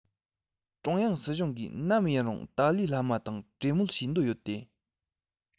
ཀྲུང དབྱང སྲིད གཞུང གིས ནམ ཡིན རུང ཏཱ ལའི བླ མ དང གྲོས མོལ བྱེད འདོད ཡོད དེ